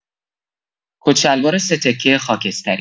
کت‌شلوار سه‌تکه خاکستری